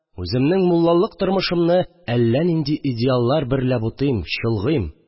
Үземнең муллалык тормышымны әллә нинди идеаллар берлә бутыйм, чолгыйм